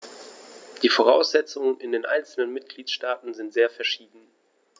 Die Voraussetzungen in den einzelnen Mitgliedstaaten sind sehr verschieden.